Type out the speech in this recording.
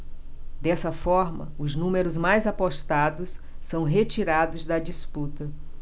dessa forma os números mais apostados são retirados da disputa